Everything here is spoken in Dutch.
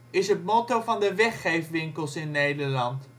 is het motto van de weggeefwinkels in Nederland